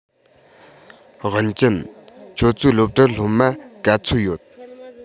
ཝུན ཅུན ཁྱོད ཚོའི སློབ གྲྭར སློབ མ ག ཚོད ཡོད